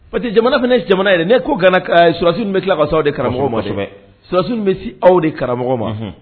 Pa que jamana bɛ ne jamana ye ne ko gana sudas bɛ tila ka sa aw de karamɔgɔ ma sudas bɛ se aw de karamɔgɔ ma